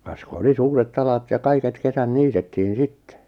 kas kun oli suuret alat ja kaiket kesät niitettiin sitten